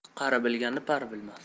qari bilganni pari bilmas